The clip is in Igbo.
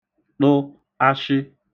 ṭụ ashị